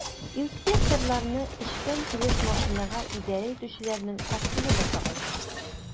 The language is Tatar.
Инспекторларны эчкән килеш машинага идарә итүчеләрнең артуы да сагайта.